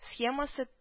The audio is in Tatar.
Схемасы